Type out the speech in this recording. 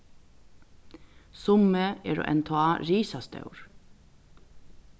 summi eru enntá risastór